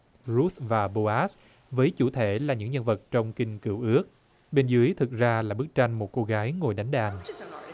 rút và bô át với chủ thể là những nhân vật trong kinh cựu ước bên dưới thực ra là bức tranh một cô gái ngồi đánh đàn